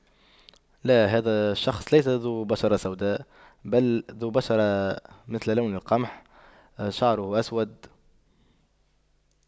لا هذا الشخص ليس ذو بشرة سوداء بل ذو بشرة مثل لون القمح شعره أسود